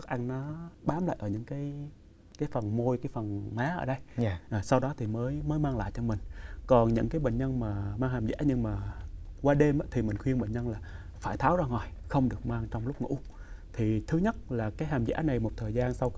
thức ăn nó bám lại ở những cái cái phần môi cái phần má ở đây rồi sau đó thì mới mới mang lại theo mừn còn những cái bệnh nhân mà mang hàm giả nhưng mờ qua đêm thì mình khuyên bệnh nhân là phải tháo ra ngoài không được mang trong lúc ngủ thì thứ nhất là cái hàm giả này một thời gian sau khi